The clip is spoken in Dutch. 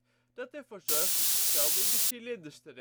zorgt dat de stoom in de cilinders (7) terechtkomt. De